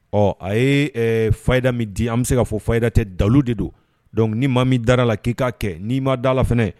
Ɔ a ye fa da min di an bɛ se ka fɔ fada tɛ dalu de don donc ni ma min da la k'i k'a kɛ nii ma dala lainɛ